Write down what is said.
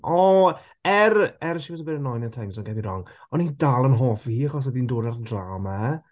Oo! Er er she was a bit annoying at times don't get me wrong o'n i dal yn hoffi hi achos oedd hi'n dod â'r drama.